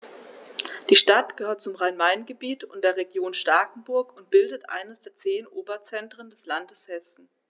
Die Stadt gehört zum Rhein-Main-Gebiet und der Region Starkenburg und bildet eines der zehn Oberzentren des Landes Hessen.